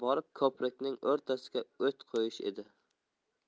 borib ko'prikning o'rtasidan o't qo'yish edi